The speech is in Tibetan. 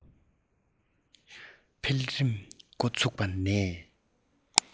འཕེལ རིམ མགོ བཙུགས པ ནས